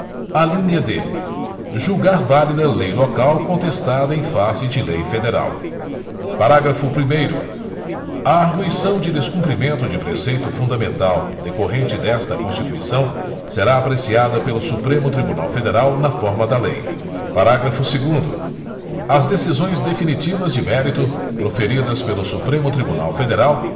alínea d julgar válida lei local contestada em face de lei federal parágrafo primeiro a argüição de descumprimento de preceito fundamental decorrente desta constituição será apreciada pelo supremo tribunal federal na forma da lei parágrafo segundo as decisões definitivas de mérito proferidas pelo supremo tribunal federal